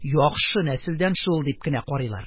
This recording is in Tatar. Яхшы нәселдән шул! - дип кенә карыйлар.